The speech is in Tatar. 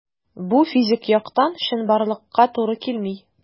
Бу физик яктан чынбарлыкка туры килми.